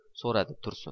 so'radi tursun